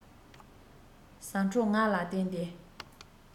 ཟ འཕྲོ ང ལ བསྟན ཏེ